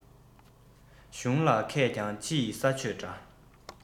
གཞུང ལ མཁས ཀྱང ཕྱི ཡི ས གཅོད འདྲ